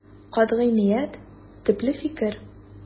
Катгый ният, төпле фикер.